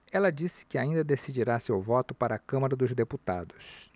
ela disse que ainda decidirá seu voto para a câmara dos deputados